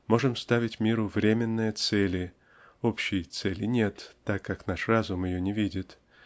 можем ставить миру временные цели (общей цели нет так как наш разум ее не видит)